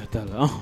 Ka taa